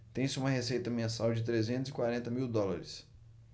tem-se uma receita mensal de trezentos e quarenta mil dólares